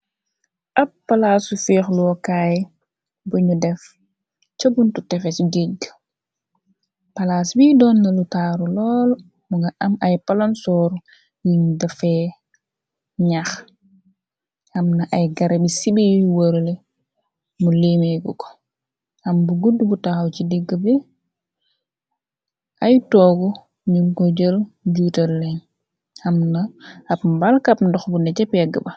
Ab palaasu fiix lookaay buñu def cëbuntu tefe gijg palaas biy doon na lu taaru loolo mu nga am ay palansooru yuñ defee ñaax am na ay gara bi sibi yuy wërle mu lemeegu ko am bu gudd bu taaw ci digg bi ay toogu ñu ko jël juutër leñ amna ab mbalkab ndox bu ne ja peggu ba.